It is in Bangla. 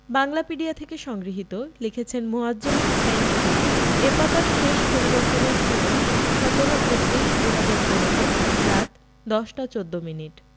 বাংলাপিডিয়া থেকে সংগ্রহীত লিখেছেনঃ মুয়ায্ যম হুসাইন খান এ পাতার শেষ পরিবর্তনের সময়ঃ ১৭ এপ্রিল ২০১৫রাত ১০টা ১৪ মিনিট